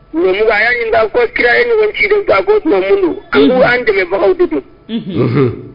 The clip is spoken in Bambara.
Musomanmɔgɔya min b'a fɔ kira ye ko tuma an ko an dɛmɛbagawdugu